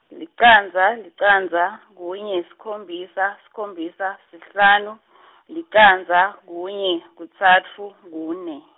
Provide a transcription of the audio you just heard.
licandza, licandza, kunye, sikhombisa sikhombisa sihlanu , licandza, kunye, kutsatfu kune.